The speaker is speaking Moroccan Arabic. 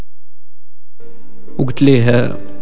قلت ليها